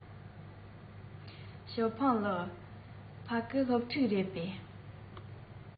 ཞའོ ཧྥུང ལགས ཕ གི སློབ ཕྲུག རེད པས